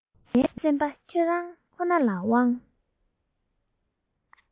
ངའི སེམས པ ཁྱོད རང ཁོ ན ལ དབང